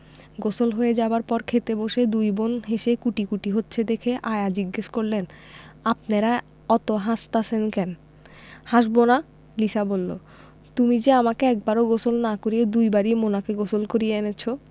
গোসল হয়ে যাবার পর খেতে বসে দুই বোন হেসে কুটিকুটি হচ্ছে দেখে আয়া জিজ্ঞেস করলেন আপনেরা অত হাসতাসেন ক্যান হাসবোনা লিসা বললো তুমি যে আমাকে একবারও গোসল না করিয়ে দুবারই মোনাকে গোসল করিয়ে এনেছো